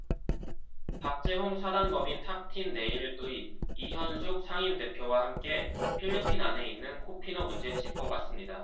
박재홍 사단법인 탁틴내일의 이현숙 상임대표와 함께 필리핀 안에 있는 코피노 문제 짚어봤습니다